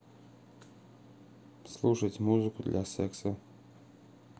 слушать музыку для секса